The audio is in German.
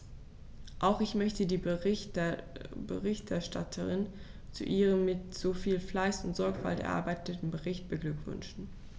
Auch ich möchte die Berichterstatterin zu ihrem mit so viel Fleiß und Sorgfalt erarbeiteten Bericht beglückwünschen.